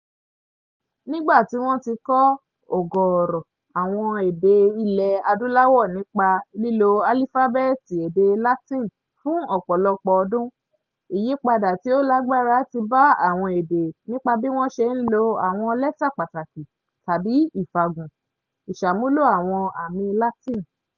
Nígbà tí wọ́n tí kọ ọ̀gọ̀ọ̀rọ̀ àwọn èdè Ilẹ̀ Adúláwò nípa lílo álífábẹ́ẹ́tì èdè Latin fún ọ̀pọ̀lọpọ̀ ọdún, ìyípadà tí ó lágbára ti bá àwọn èdè nípa bí wọ́n ṣe ń lo àwọn lẹ́tà pàtàkì, tàbí "ìfàgùn" ìsàmúlò àwọn àmì Latin.